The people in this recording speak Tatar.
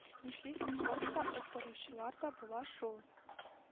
Нишлисең, спортта оттырычулар да була шул